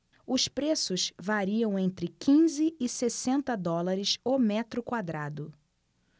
os preços variam entre quinze e sessenta dólares o metro quadrado